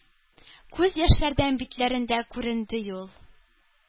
Күз яшьләрдән битләрендә күренде юл;